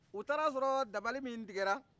u taara sɔrɔ dabali min tigɛra